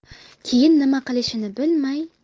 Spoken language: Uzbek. keyin nima qilishni bilmay